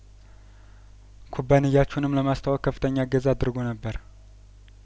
ኩባንያችሁንም ለማስተዋወቅ ከፍተኛ እገዛ አድርጐ ነበር